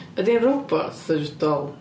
Ydy'n robot ta jyst dol?